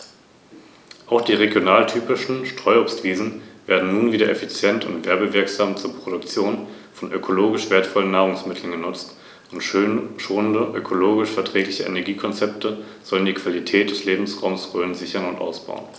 Die Stacheligel haben als wirksame Verteidigungswaffe Stacheln am Rücken und an den Flanken (beim Braunbrustigel sind es etwa sechs- bis achttausend).